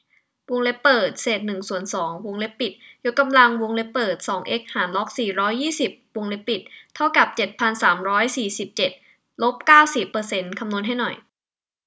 วงเล็บเปิดเศษหนึ่งส่วนสองวงเล็บปิดยกกำลังวงเล็บเปิดสองเอ็กซ์หารล็อกสี่ร้อยยี่สิบวงเล็บปิดเท่ากับเจ็ดพันสามร้อยสี่สิบเจ็ดลบเก้าสิบเปอร์เซ็นต์คำนวณให้หน่อย